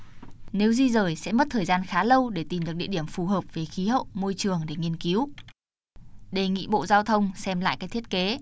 nếu di dời sẽ mất thời gian khá lâu để tìm được địa điểm phù hợp về khí hậu môi trường để nghiên cứu đề nghị bộ giao thông xem lại cách thiết kế